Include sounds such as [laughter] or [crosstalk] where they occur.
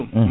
[hesitation] [hesitation]